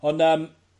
Ond yym...